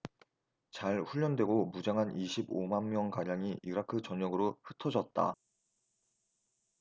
잘 훈련되고 무장한 이십 오 만 명가량이 이라크 전역으로 흩어졌다